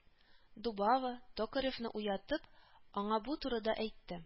Дубава, Токаревны уятып, аңа бу турыда әйтте